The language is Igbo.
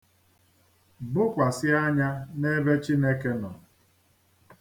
Bokwasị anya n'ebe Chineke nọ.